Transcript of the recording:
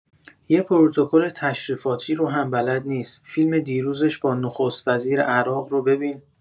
یه پروتکل تشریفاتی رو هم بلد نیست، فیلم دیروزش با نخست‌وزیر عراق رو ببین